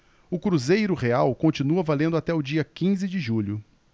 o cruzeiro real continua valendo até o dia quinze de julho